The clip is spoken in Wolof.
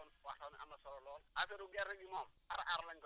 waaw jaajëf lan nga siy indi comme sa contribution